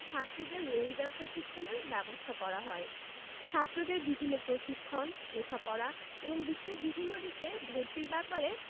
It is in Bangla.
ছাত্রীদের রেঞ্জার প্রশিক্ষণের ব্যবস্থা করা হয় ছাত্রদের বিভিন্ন প্রশিক্ষণ লেখাপড়া এবং বিশ্বের বিভিন্ন দেশে ভর্তির ব্যাপারে